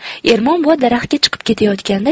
ermon buva daraxtga chiqib ketayotganda